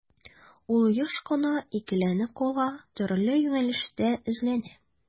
Ул еш кына икеләнеп кала, төрле юнәлештә эзләнә.